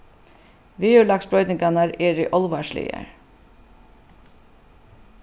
veðurlagsbroytingarnar eru álvarsligar